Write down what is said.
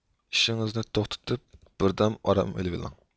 ئىشىڭىزنى توختىتىپ بىردەم ئارام ئېلىۋىلىڭ